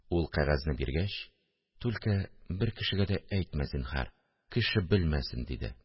Ул, кәгазьне биргәч: – Түлке бер кешегә дә әйтмә, зинһар, кеше белмәсен! – диде